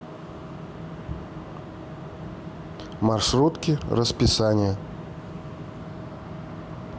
маршрутки расписание